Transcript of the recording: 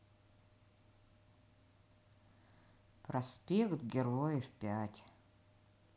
проспект героев пять